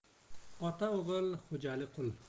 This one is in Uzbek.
otali o'g'il xo'jali qul